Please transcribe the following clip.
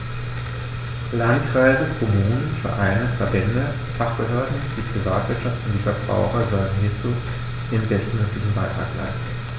Landkreise, Kommunen, Vereine, Verbände, Fachbehörden, die Privatwirtschaft und die Verbraucher sollen hierzu ihren bestmöglichen Beitrag leisten.